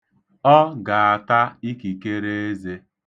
Ọ ga-ata ikikereeze.